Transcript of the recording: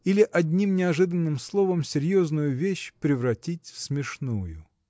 или одним неожиданным словом серьезную вещь превратить в смешную.